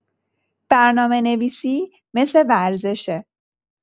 برنامه‌نویسی مثل ورزشه؛